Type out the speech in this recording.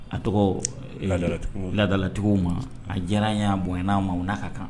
A tɔgɔ , ladalatigiw ma, a diyara n ye a bonyana ma, u n'a ka kan.